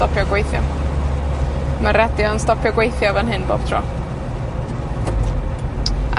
stopio gweithio. Ma'r radio yn stopio gweithio fan hyn bob tro.